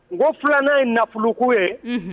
O filanan ye nafoloku ye